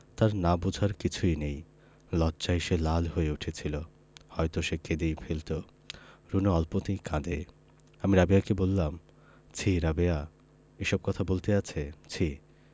তার না বুঝার কিছুই নেই লজ্জায় সে লাল হয়ে উঠেছিলো হয়তো সে কেঁদেই ফেলতো রুনু অল্পতেই কাঁদে আমি রাবেয়াকে বললাম ছিঃ রাবেয়া এসব বলতে আছে ছিঃ